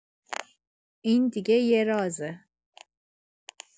این دیگه یه رازه!